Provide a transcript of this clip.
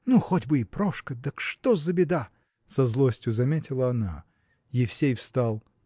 – Ну хоть бы и Прошка, так что ж за беда? – со злостью заметила она. Евсей встал.